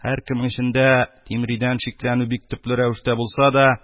Һәркемнең эчендә тимридән шикләнү бик төпле рәвештә булса да,